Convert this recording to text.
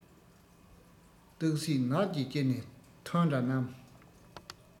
སྟག གཟིག ནགས ཀྱི དཀྱིལ ནས ཐོན འདྲ རྣམས